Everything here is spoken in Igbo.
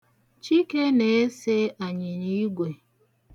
Chike na-ese anyịnyiigwe.